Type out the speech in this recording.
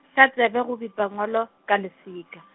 sa tsebe go bipa ngolo, ka leswika.